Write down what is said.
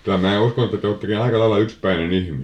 kyllä minä uskon että te olettekin aika lailla yksipäinen ihminen